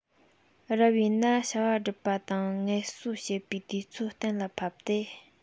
རབ ཡིན ན བྱ བ སྒྲུབ པ དང ངལ གསོ བྱེད པའི དུས ཚོད གཏན ལ ཕབ སྟེ